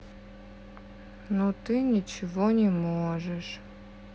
ну ты ничего не можешь